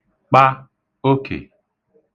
kpa okè